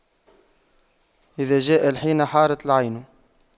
إذا جاء الحين حارت العين